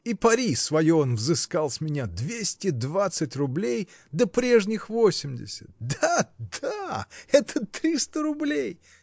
и пари свое он взыскал с меня, двести двадцать рублей, да прежних восемьдесят. да, да! это триста рублей!.